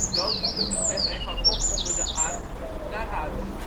doodgelukkig met mijn Van Gogh onder de arm, naar huis